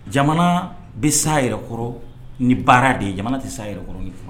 Jamana bɛ sa yɛrɛkɔrɔ ni baara de ye jamana tɛ sa yɛrɛkɔrɔ ni fana